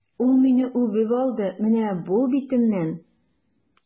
Ул мине үбеп алды, менә бу битемнән!